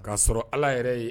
K ka'a sɔrɔ ala yɛrɛ ye